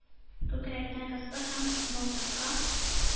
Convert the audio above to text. Күкрәгенә кысты һәм мылтыкка